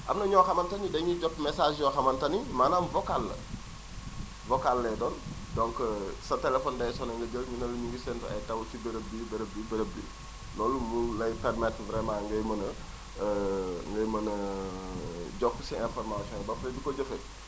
am na ñoo xamante ni dañuy jot message yoo xamante ni maanaam vocal la vocal lay doon donc sa téléphone day sonné nga jël ñu ne la ñu ngi séntu ay taw ci béréb bii béréb bii béréb bii loolu mu lay permettre vraiment ngay mën a ngay mën a jot si informations yi ba pare di ko jëfee